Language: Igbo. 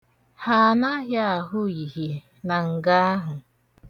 Ha anaghị ahụ ihie na nga ahụ.